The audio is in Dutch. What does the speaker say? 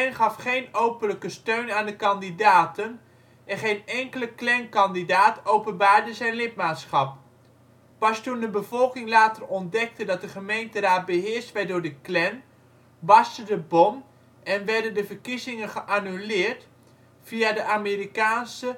gaf geen openlijke steun aan de kandidaten en geen enkele Klan-kandidaat openbaarde zijn lidmaatschap. Pas toen de bevolking later ontdekte dat de gemeenteraad beheerst werd door de Klan, barstte de bom en werden de verkiezingen geannuleerd via de Amerikaanse